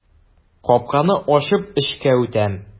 Капканы ачып эчкә үтәм.